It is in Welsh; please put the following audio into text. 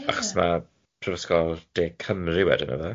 Achos ma' prifysgol De Cymru wedyn yfe?